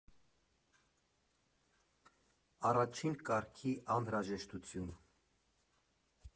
Առաջին կարգի անհրաժեշտություն։